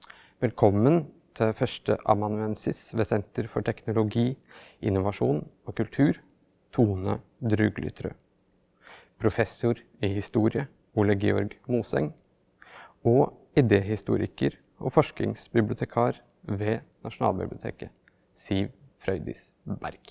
velkommen til førsteamanuensis ved Senter for teknologi, innovasjon og kultur, Tone Druglitrø, professor i historie, Ole Georg Moseng og idehistoriker og forskningsbibliotekar ved Nasjonalbiblioteket, Siv Frøydis Berg.